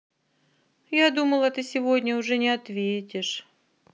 я думала ты сегодня уже не ответишь